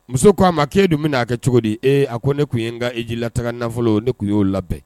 Muso k ko'a ma ee dun bɛ'a kɛ cogo di e a ko ne tun ye n ka eji la taga nafolo ne tun y'o labɛn